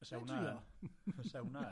Fyse hwnna yn, fyse hwnna yn.